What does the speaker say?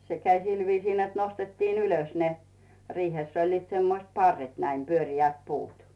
se kävi sillä viisiin että nostettiin ylös ne riihessä olivat semmoiset parret näin pyöreät puut